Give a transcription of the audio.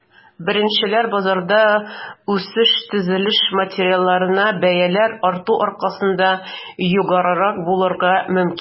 Беренчел базарда үсеш төзелеш материалларына бәяләр арту аркасында югарырак булырга мөмкин.